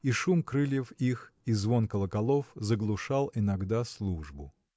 и шум крыльев их и звон колоколов заглушали иногда службу.